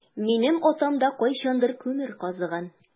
Минем атам да кайчандыр күмер казыган.